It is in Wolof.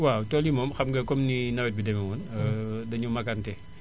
waaw tool yi moom xam nga comme ni nawet bi demee woon dañoo magante